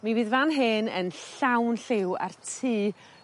Mi fydd fan hyn yn llawn lliw a'r tŷ